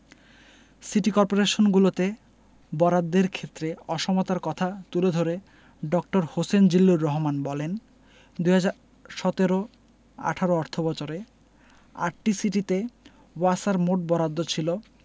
City করপোরেশনগুলোতে বরাদ্দের ক্ষেত্রে অসমতার কথা তুলে ধরে ড. হোসেন জিল্লুর রহমান বলেন ২০১৭ ১৮ অর্থবছরে আটটি সিটিতে ওয়াসার মোট বরাদ্দ ছিল